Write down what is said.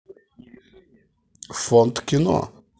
фонд кино